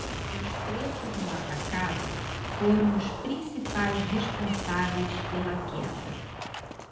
os preços no atacado foram os principais responsáveis pela queda